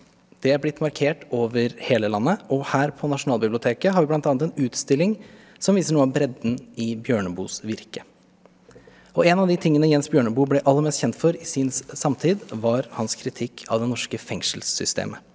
det er blitt markert over hele landet og her på Nasjonalbiblioteket har vi bl.a. en utstilling som viser noe av bredden i Bjørneboes virke, og en av de tingene Jens Bjørneboe ble aller mest kjent for i sin samtid var hans kritikk av det norske fengselssystemet.